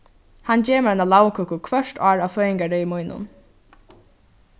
hann ger mær eina lagkøku hvørt ár á føðingardegi mínum